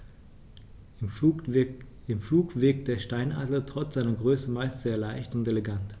Im Flug wirkt der Steinadler trotz seiner Größe meist sehr leicht und elegant.